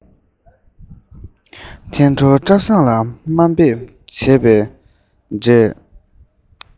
ཐན ཕྲུག བཀྲ བཟང ལ དམའ འབེབས